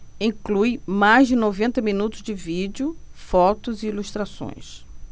inclui mais de noventa minutos de vídeo fotos e ilustrações